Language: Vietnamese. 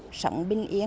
sống bình yên